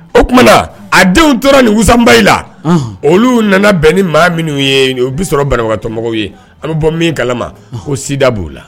O tumaumana na a denw tora nin wasabayi la olu nana bɛn ni maa minnu ye u bɛ sɔrɔ banawatɔmɔgɔw ye an bɛ bɔ min kalama ko sidada b'o la